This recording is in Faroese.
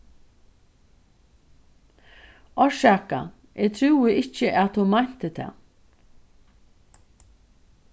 orsaka eg trúði ikki at tú meinti tað